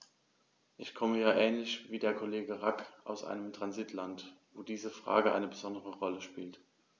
Ich komme ja ähnlich wie der Kollege Rack aus einem Transitland, wo diese Frage eine besondere Rolle spielt.